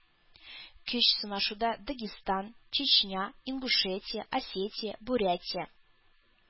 Көч сынашуда Дагестан, Чечня, Ингушетия, Осетия, Бурятия,